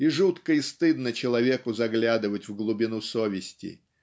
и жутко и стыдно человеку заглядывать в глубину совести.